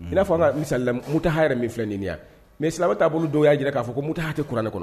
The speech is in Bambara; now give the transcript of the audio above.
N'a fana misa mutaha yɛrɛ min filɛ nin yan mɛ silamɛ labanba t' bolo don y'a jira k'a fɔ ko mutu ha hakɛtɛ kuranɛ kɔnɔ